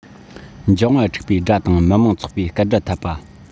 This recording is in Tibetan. འབྱུང བ འཁྲུགས པའི སྒྲ དང མི མང འཚོགས པའི སྐད སྒྲ འཐབ པ